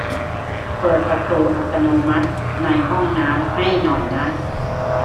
เปิดประตูอัตโนมัติในห้องน้ำให้หน่อยนะ